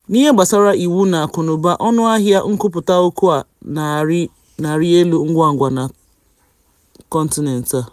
N'ihe gbasara iwu na akụnaụba, ọnụahịa nkwupụta okwu na-arị elu ngwangwa na kọntinent a.